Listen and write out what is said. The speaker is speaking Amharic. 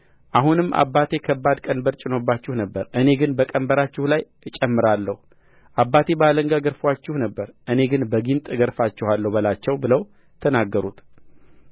አሁንም አባቴ ከባድ ቀንበር ጭኖባችሁ ነበር እኔ ግን በቀንበራችሁ ላይ እጨምራለሁ አባቴ በአለንጋ ገርፎአችሁ ነበር እኔ ግን በጊንጥ እገርፋችኋለሁ በላቸው ብለው ተናገሩት